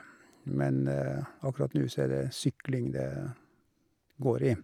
Men akkurat nå så er det sykling det går i.